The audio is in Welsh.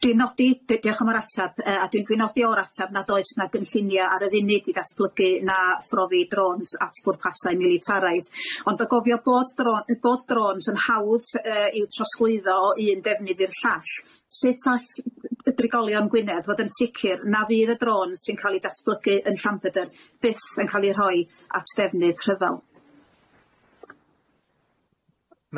Dwi'n nodi di- diolch am yr atab yy a dwi'n dwi'n nodi o'r atab nad oes 'na gynllunia ar y funud i ddatblygu na phrofi drôns at bwrpasau militaraidd, ond o gofio bod drôn- yy bod drôns yn hawdd yy i'w trosglwyddo o un defnydd i'r llall, sut all y drigolion Gwynedd fod yn sicir na fydd y drôns sy'n ca'l 'i datblygu yn Llanbedr byth yn ca'l 'i rhoi at defnydd rhyfel?